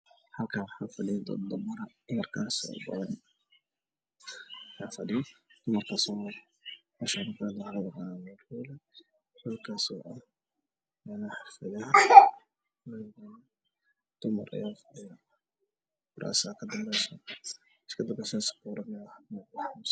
Waa meel hool ah waxaa fadhiya naago badan miisaska waa cadan